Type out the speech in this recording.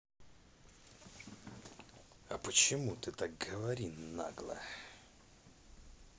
а почему ты так говори нагло